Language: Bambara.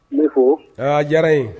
Ne ko. Awɔ a diyara n ye